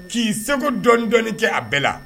K'i seko dɔnni dɔnni kɛ a bɛɛ la